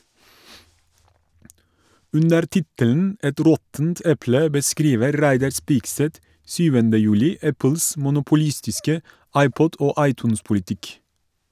Under tittelen «Et råttent eple» beskriver Reidar Spigseth 7. juli Apples monopolistiske iPod- og iTunes-politikk.